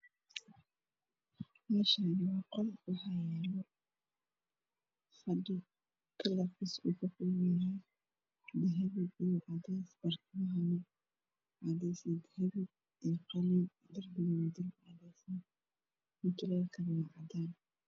Meshaani waa qol waxaa yaalo fadhi kalrkiisu yahy kalarkiisu yahay dahabi iyo cadees barkimah cadees iyo dahabi iyo qalbin darbigna darbi haleesan mutuleelkane waa cadaan